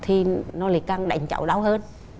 thì nó lại càng đánh cháu đau hơn